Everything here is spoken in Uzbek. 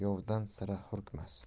yovdan sira hurkmas